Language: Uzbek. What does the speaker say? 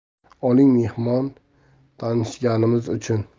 oling mehmon tanishganimiz uchun